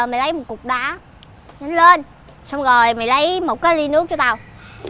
mày lấy một cục đá nhanh lên xong rồi mày lấy một cái ly nước cho tao